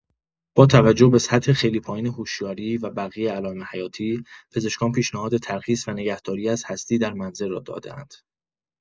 با توجه به سطح خیلی پایین هوشیاری و بقیه علایم حیاتی، پزشکان پیشنهاد ترخیص و نگه‌داری از هستی در منزل را داده‌اند.